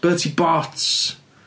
Bertie Bott's!